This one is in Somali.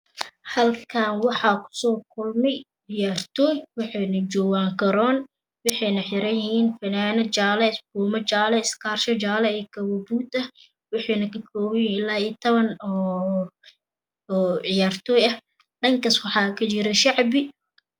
Halkaan waxaa ku soo kulmayi ciyaartoy wexena jogaan garoon wexena xeraan yihiin finaano jaalo eh buumo jaalo ah iskaasho jaalo ah kabo bud buud ah wexeena ka koobaan yihiin ilaa iyo tabaan oo ciyaartoy ah dhankaas waxa ka jiro shacbi